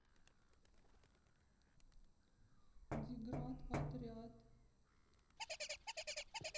деград отряд